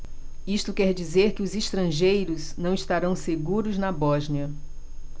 isso quer dizer que os estrangeiros não estarão seguros na bósnia